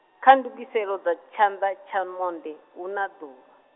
kha ndugiselo dza tshanḓa tsha monde, hu na ḓuvha.